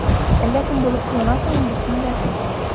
Әллә кем булып кыланасың инде син дә...